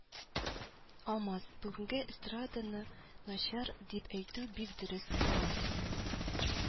Алмаз: Бүгенге эстраданы начар дип әйтү бик дөрес булмас иде